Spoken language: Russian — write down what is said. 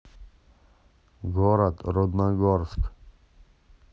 город рудногорск